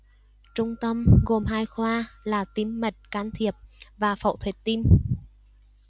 trung tâm gồm hai khoa là tim mạch can thiệp và phẫu thuật tim